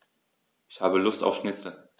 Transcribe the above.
Ich habe Lust auf Schnitzel.